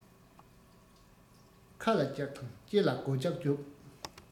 ཁ ལ ལྕགས དང ལྕེ ལ སྒོ ལྩགས རྒྱོབ